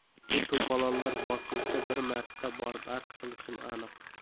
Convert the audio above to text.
bu to'polonlar bosilsa bir marta borib arz qilishim aniq